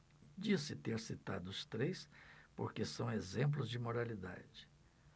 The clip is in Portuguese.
disse ter citado os três porque são exemplos de moralidade